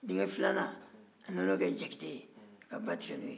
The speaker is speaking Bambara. denkɛ filanan a nana o kɛ jakite ye ka ba tigɛ n'o ye